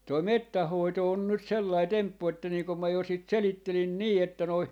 tuo metsän hoito on nyt sellainen temppu että niin kun minä jo sitä selittelin niin että noin